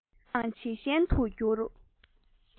ལྟ བ ཡང ཇེ ཞན དུ གྱུར